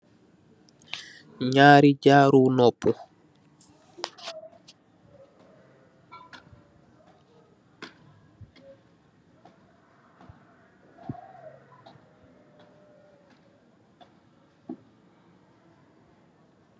Nyaari jaaru nopu.